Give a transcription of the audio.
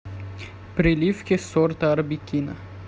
приливки сорта арбекина